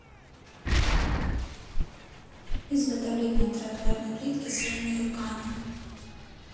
изготовление тротуарной плитки своими руками